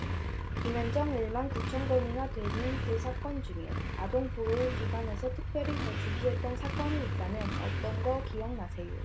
김현정 일 만 구천 건이나 되는 그 사건 중에 아동보호 전문기관에서 특별히 더 주시했던 사건이 있다면 어떤 거 기억나세요